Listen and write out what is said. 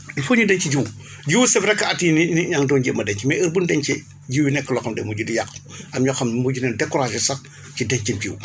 il faut ñu denc jiw jiw c' est vrai que at yii nii nit ñaa ngi doon jéem a denc mais heure bu ñu dencee jiw wi nekk loo xam day mujj di yàqu am ñoo xam mujj nañ découragé sax ci dencin jiw bi